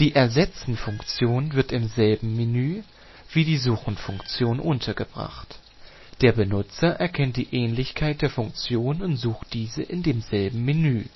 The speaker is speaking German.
Ersetzen “- Funktion wird im selben Menü wie die „ Suchen “- Funktion untergebracht. Der Benutzer erkennt die Ähnlichkeit der Funktionen und sucht diese in demselben Menü